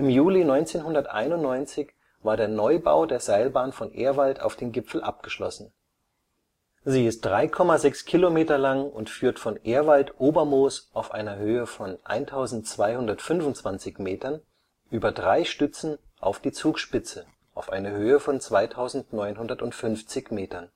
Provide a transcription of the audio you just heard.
Juli 1991 war der Neubau der Seilbahn von Ehrwald auf den Gipfel abgeschlossen. Sie ist 3,6 Kilometer lang und führt von Ehrwald-Obermoos (1225 m) über drei Stützen auf die Zugspitze (2950 m